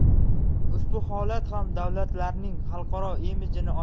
ushbu holat ham davlatlarning xalqaro imijini